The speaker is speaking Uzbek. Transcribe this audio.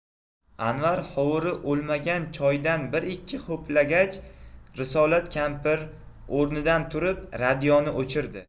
anvar hovuri o'lmagan choydan bir ikki ho'plagach risolat kampir o'rnidan turib radioni o'chirdi